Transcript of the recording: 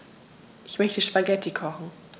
Ich möchte Spaghetti kochen.